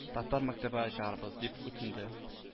Татар мәктәбе ачарбыз, – дип үтенде